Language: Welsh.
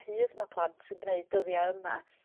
rhydd ma' plant yn g'neud dyddie yma